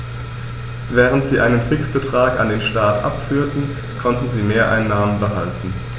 Während sie einen Fixbetrag an den Staat abführten, konnten sie Mehreinnahmen behalten.